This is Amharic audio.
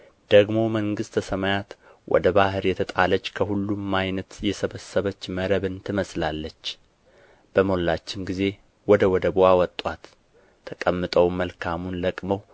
ገዛት ደግሞ መንግሥተ ሰማያት ወደ ባሕር የተጣለች ከሁሉም ዓይነት የሰበሰበች መረብን ትመስላለች በሞላችም ጊዜ ወደ ወደቡ አወጡአት ተቀምጠውም መልካሙን ለቅመው